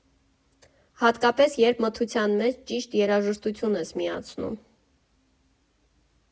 Հատկապես, երբ մթության մեջ ճիշտ երաժշտություն ես միացնում։